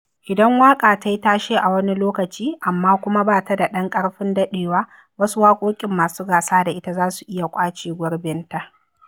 Idan waƙa ta yi tashe a wani lokaci amma kuma ba ta da ƙarfin daɗewa, wasu waƙoƙin masu gasa da ita za su iya ƙwace gurbinta.